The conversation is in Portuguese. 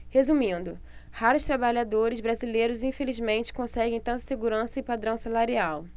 resumindo raros trabalhadores brasileiros infelizmente conseguem tanta segurança e padrão salarial